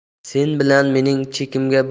sen bilan mening chekimga